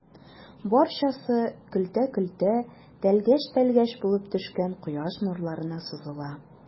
Барчасы көлтә-көлтә, тәлгәш-тәлгәш булып төшкән кояш нурларына сузыла.